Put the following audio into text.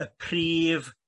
y prif